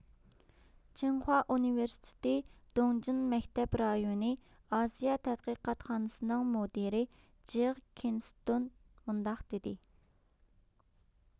چىڭخۇا ئۈنۋېرسىتېتى دۇڭجىڭ مەكتەپ رايونى ئاسىيا تەتقىقاتخانىسىنىڭ مۇدىرى جېغ كىنىستون مۇنداق دېدى